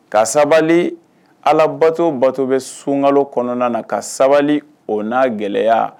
Ka sabali ala bato bato bɛ sunka kɔnɔna na ka sabali o na gɛlɛyaya